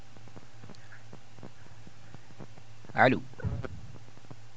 allo